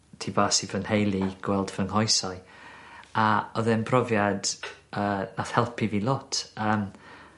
tu fas i fy nheulu gweld fy nghoesau a odd e'n brofiad yy nath helpu fi lot yym.